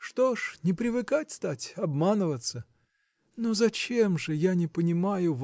Что ж, не привыкать-стать обманываться! Но зачем же я не понимаю